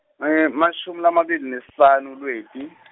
mashumi lamabili nesihlanu Lweti.